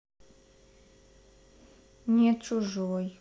нет чужой